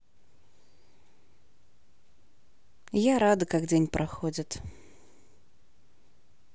я рада как день проходит